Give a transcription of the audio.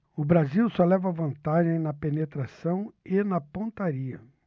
o brasil só leva vantagem na penetração e na pontaria